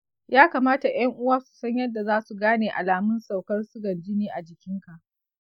ya kamata ƴan uwa su san yadda za su gane alamun saukar sugan jini a jikinka.